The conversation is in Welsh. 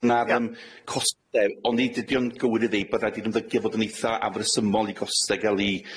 na'r yym coste, ond nid ydi o'n gywir i ddeu' bydda raid i'r ymddygiad fod yn eitha afresymol i gostau ga'l 'u